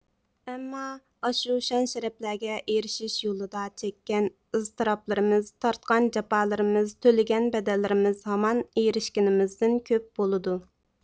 ئەمما ئاشۇ شان شەرەپلەرگە ئېرىشىش يولىدا چەككەن ئىزتىراپلىرىمىز تارتقان جاپالىرىمىز تۆلىگەن بەدەللىرىمىز ھامان ئېرىشكىنىمىزدىن كۆپ بولىدۇ